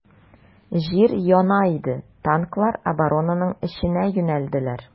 Җир яна иде, танклар оборонаның эченә юнәлделәр.